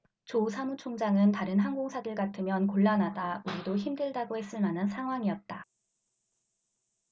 조 사무총장은 다른 항공사들 같으면 곤란하다 우리도 힘들다고 했을 만한 상황이었다